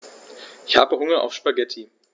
Ich habe Hunger auf Spaghetti.